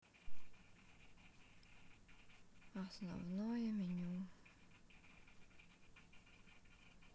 основное меню